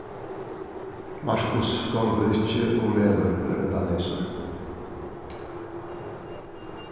markus gongur ikki og melur ørindaleysur